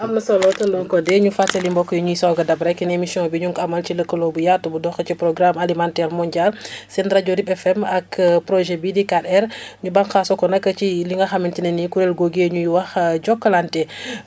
am na solo tonton Code ñu fàttali mbokk yi ñu ñuy soog a dab rek ne émission bi ñu ngi ko amal ci lëkkaloo bu yaatu bu dox ci programme alimentaire mondial seen rajo RIP FM ak projet bii di 4R ñu bànqaasu ko nag ci li nga xamante ne nii kuréel googee ñuy wax Jokalante